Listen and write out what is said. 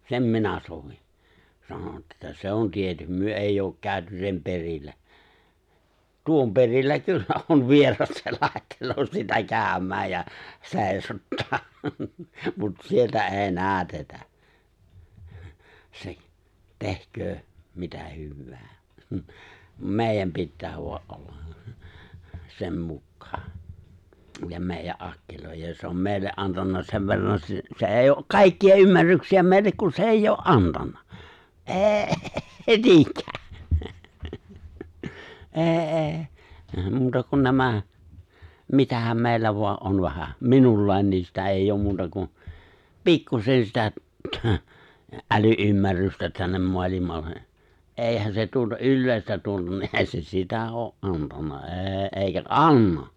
sen minä sovin sanon että se on - me ei ole käyty sen perillä tuon perillä kyllä on vieras se laittelee sitä käymään ja seisottaa mutta sieltä ei näytetä se tehköön mitä hyvänsä meidän pitää vain olla sen mukaan ja meidän akkiloida ja se on meille antanut sen verran - se ei ole kaikkia ymmärryksiä meille kun se ei ole antanut ei niinkään ei ei muuta kuin nämä mitähän meillä vain on vähän minulla niin sitä ei ole muuta kuin pikkuisen sitä - äly-ymmärrystä tänne maailmalle eihän se tuota yleistä tuota niin ei se sitä ole antanut ei eikä anna